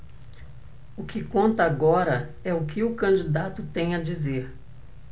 o que conta agora é o que o candidato tem a dizer